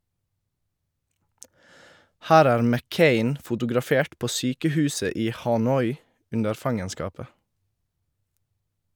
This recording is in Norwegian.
Her er McCain fotografert på sykehuset i Hanoi under fangenskapet.